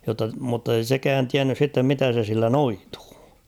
jotta mutta ei sekään tiennyt sitten mitä se sillä noituu